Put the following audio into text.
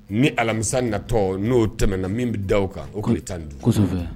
Ni alamisa natɔ n'o tɛmɛna min bɛ da kan o tun bɛ taa don